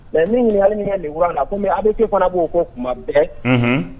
Mɛ min hali ɲini ninkura la ko a bɛ' fana b'o ko kuma np